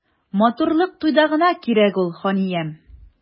Матурлык туйда гына кирәк ул, ханиям.